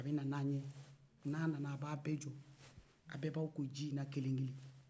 a bɛ na n'an ye n'a nana a b'a bɛ jɔ a bɛ b'a ko ji in na kelen-kelen